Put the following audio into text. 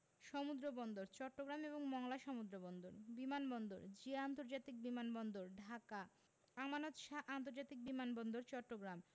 সমুদ্রবন্দরঃ চট্টগ্রাম এবং মংলা সমুদ্রবন্দর বিমান বন্দরঃ জিয়া আন্তর্জাতিক বিমান বন্দর ঢাকা আমানত শাহ্ আন্তর্জাতিক বিমান বন্দর চট্টগ্রাম